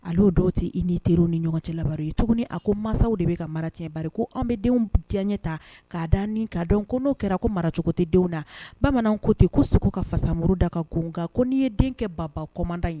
Aleo dɔw tɛ i ni terir ni ɲɔgɔn cɛ laban ye tuguni a ko mansaw de bɛ ka mara cɛba ko an bɛ denw diya ɲɛ ta k kaa da k kaa dɔn n'o kɛra ko maracogo tɛdenw na bamanan ko ten ko s ka fasamuru da ka kun kan ko n'i ye denkɛ ban kɔnda ye